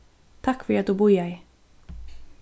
takk fyri at tú bíðaði